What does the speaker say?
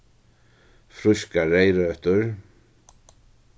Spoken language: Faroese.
frískar reyðrøtur